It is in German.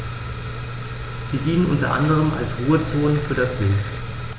Sie dienen unter anderem als Ruhezonen für das Wild.